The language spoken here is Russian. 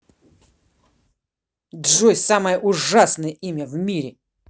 джой самое ужасное имя в мире